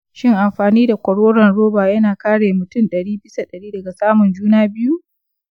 shin amfani da kwaroron roba yana kare mutum dari bisa dari daga samun juna biyu?